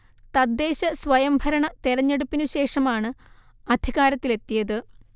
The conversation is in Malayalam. തദ്ദേശ സ്വയംഭരണ തെരഞ്ഞെടുപ്പിനു ശേഷമാണ് അധികാരത്തിലെത്തിയത്